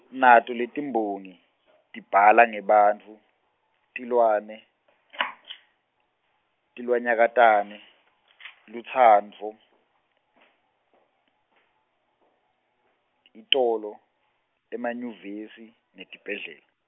nato letimbongi, tibhala ngebantfu, tilwane , tilwanyakatane, lutsandvo , itolo, emanyuvesi, netibhedlela.